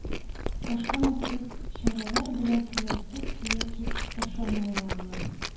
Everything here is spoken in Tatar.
Башка махсус чаралар белән түләүсез яки ташламалы